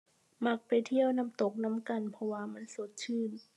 มักไปเที่ยวน้ำตกนำกัน เพราะว่ามันสดชื่น